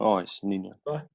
oes yn union